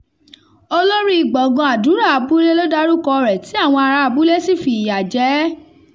Olóríi gbọ̀gán àdúrà abúlé l'ó dárúkọ rẹ̀ tí àwọn ará abúlé sí fi ìyà jẹ́ ẹ.